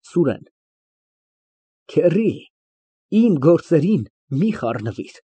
ՍՈՒՐԵՆ ֊ Քեռի, իմ գործերին մի խառնվիր։